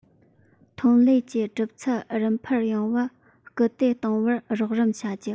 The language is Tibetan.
ཐོན ལས ཀྱི གྲུབ ཚུལ རིམ འཕར ཡོང བར སྐུལ འདེད གཏོང བར རོགས རམ བྱ རྒྱུ